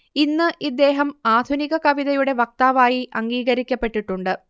ഇന്ന് ഇദ്ദേഹം ആധുനിക കവിതയുടെ വക്താവായി അംഗീകരിക്കപ്പെട്ടിട്ടുണ്ട്